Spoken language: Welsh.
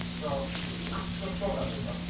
So atgof gorau 'Steddfod?